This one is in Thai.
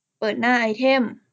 เปิดหน้าไอเท็ม